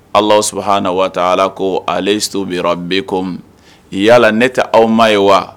Allah subahanahu wa taala ko a lastu bi rabbikum? ko yala ne tɛ aw ma ye wa?